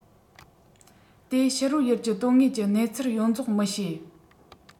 དེ ཕྱི རོལ ཡུལ གྱི དོན དངོས ཀྱི གནས ཚུལ ཡོངས རྫོགས མི བྱེད